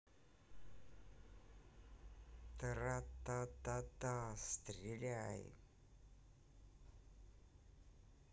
трататата стреляй